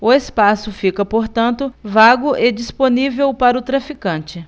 o espaço fica portanto vago e disponível para o traficante